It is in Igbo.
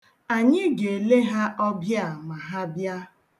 Anyị ga-ele ha ọbịa ma ha bịa.